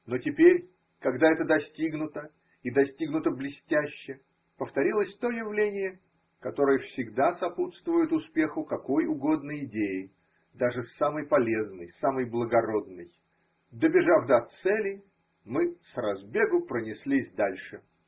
Но теперь, когда это достигнуто, и достигнуто блестяще, повторилось то явление, которое всегда сопутствует успеху какой угодно идеи, даже самой полезной, самой благородной: добежав до цели, мы с разбегу пронеслись дальше.